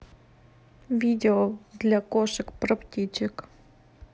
видео для кошек про птичек